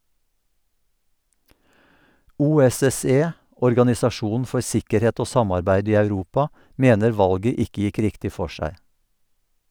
OSSE, Organisasjonen for sikkerhet og samarbeid i Europa, mener valget ikke gikk riktig for seg.